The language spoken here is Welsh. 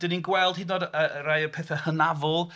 Dan ni'n gweld hyd yn oed yy rhai o bethau hynafol.